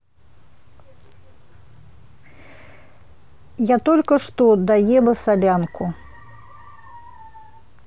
я только что доела солянку